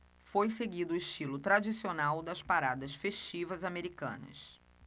foi seguido o estilo tradicional das paradas festivas americanas